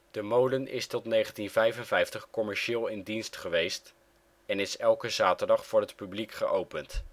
De molen is tot 1955 commercieel in dienst geweest, en is elke zaterdag voor het publiek geopend